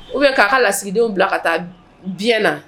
U bɛ ka ka lasigidenw bila ka taa bi na